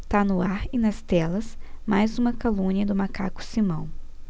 tá no ar e nas telas mais uma calúnia do macaco simão